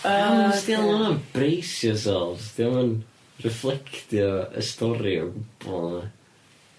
Yy oce. Pam nes di alw wnna'n brace yourselves 'di o'm yn refflectio y stori o gwbl odd e?